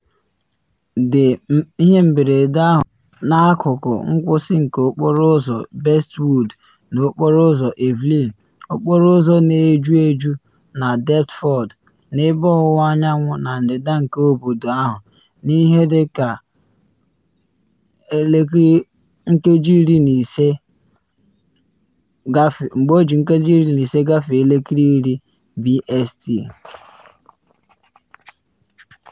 Ihe mberede ahụ mere n’akụkụ nkwụsị nke Okporo Ụzọ Bestwood na Okporo Ụzọ Evelyn, okporo uzọ na eju eju na Deptford, n’ebe ọwụwa anyanwụ na ndịda nke obodo ahụ, n’ihe dị ka 10:15 BST.